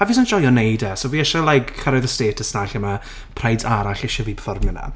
A fi jyst yn joio wneud e, so fi isie like cyrraedd y status 'na lle ma' 'Prides' arall eisiau fi pefformio 'na.